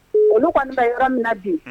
Olu kɔni yɔrɔ min na bi